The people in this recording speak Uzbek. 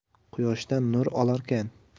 quyoshdan nur olarkan